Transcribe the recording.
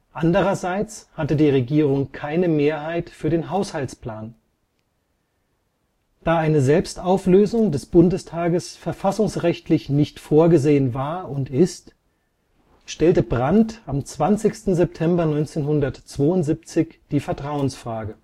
Andererseits hatte die Regierung keine Mehrheit für den Haushaltsplan. Da eine Selbstauflösung des Bundestages verfassungsrechtlich nicht vorgesehen war und ist, stellte Brandt am 20. September 1972 die Vertrauensfrage